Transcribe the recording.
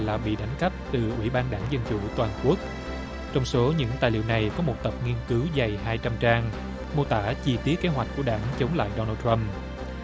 là bị đánh cắp từ ủy ban đảng dân chủ toàn quốc trong số những tài liệu này có một tập nghiên cứu dày hai trăm trang mô tả chi tiết kế hoạch của đảng chống lại đo nồ trăm